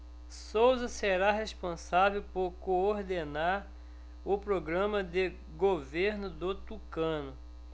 souza será responsável por coordenar o programa de governo do tucano